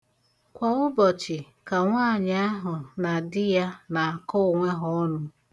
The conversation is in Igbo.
Kwa ụbọchị ka nwaanyị ahụ na di ya na-akọ onwe ha ọnụ.